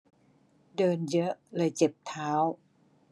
เดินเยอะเลยเจ็บเท้า